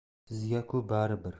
sizga ku bari bir